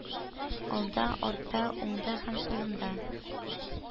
Алда, артта, уңда һәм сулымда